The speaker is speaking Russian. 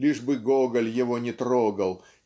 лишь бы Гоголь его не трогал